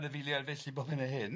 anifeiliad felly bob hyn a hyn.